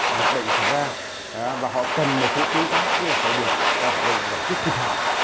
dịch bệnh xảy ra á và họ cần một sự tương tác tức là phải điều chỉnh cập về giải quyết kịp thời